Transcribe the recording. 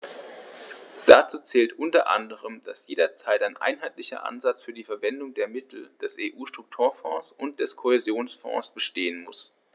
Dazu zählt u. a., dass jederzeit ein einheitlicher Ansatz für die Verwendung der Mittel der EU-Strukturfonds und des Kohäsionsfonds bestehen muss.